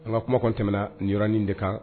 An ka kuma kɔn tɛmɛnɛna ninɔrɔnin de kan